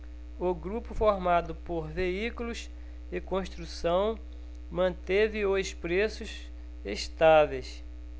o grupo formado por veículos e construção manteve os preços estáveis